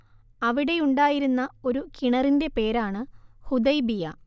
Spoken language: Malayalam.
അവിടെയുണ്ടായിരുന്ന ഒരു കിണറിന്റെ പേരാണ്‌ ഹുദൈബിയ